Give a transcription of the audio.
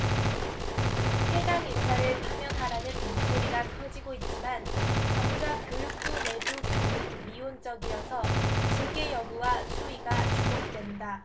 해당 인사를 파면하라는 목소리가 커지고 있지만 정작 교육부 내부기류는 미온적이어서 징계 여부와 수위가 주목된다